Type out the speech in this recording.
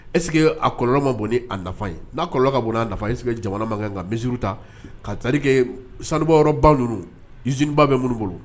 E a kɔlɔnlɔ ma bon ni aa nafa ye n'akɔlɔn ka bon'a nafa ese jamana man kan nka misi ta ka taari sanubɔ yɔrɔ baw ninnu zba bɛ minnu bolo